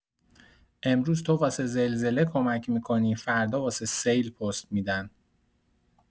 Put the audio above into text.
امروز تو واسه زلزله کمک می‌کنی فردا واسه سیل پست می‌دن.